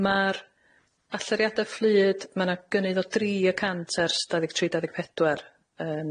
Ma'r allyriada fflyd, ma' 'na gynnydd o dri y cant ers dau ddeg tri dau ddeg pedwar, yym.